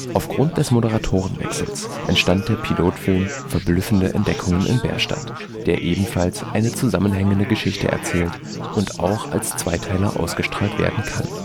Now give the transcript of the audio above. Aufgrund des Moderatorenwechsels entstand der Pilotfilm Verblüffende Entdeckung in Bärstadt, der ebenfalls eine zusammenhängende Geschichte erzählt, und auch als Zweiteiler ausgestrahlt werden kann